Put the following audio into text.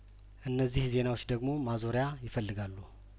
እነዚህ ዜናዎች ደግሞ ማዞሪያ ይፈልጋሉ